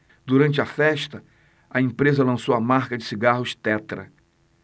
durante a festa a empresa lançou a marca de cigarros tetra